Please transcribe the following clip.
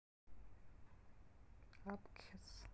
aphex